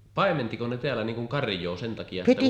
paimensiko ne täällä niin kuin karjaa sen takia että